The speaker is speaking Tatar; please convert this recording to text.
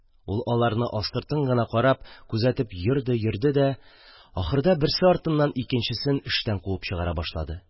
Ул аларны астыртын гына карап, күзәтеп йөрде-йөрде дә, ахырда берсе артыннан икенчесен эштән куып чыгара башлады